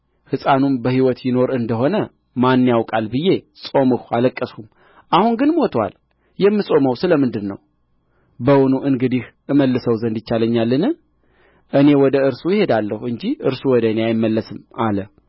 ሕፃኑም በሕይወት ይኖር እንደ ሆነ ማን ያውቃል ብዬ ጾምሁ አለቅሰሁም አሁን ግን ሞቶአል የምጾመው ስለ ምንድር ነው በውኑ እንግዲህ እመልሰው ዘንድ ይቻለኛልን እኔ ወደ እርሱ እሄዳለሁ እንጂ እርሱ ወደ እኔ አይመለስም አለ